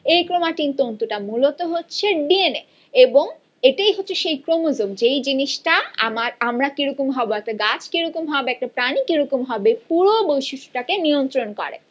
এ chromatin তন্তু টা মূলত হচ্ছে ডি এন এ এটাই হচ্ছে সেই ক্রোমোজোম যে জিনিসটা আমরা কি রকম হবে একটা গাছ কিরকম হবে একটা প্রাণী কি রকম হবে পুরো বৈশিষ্ট্য টা কে নিয়ন্ত্রণ করে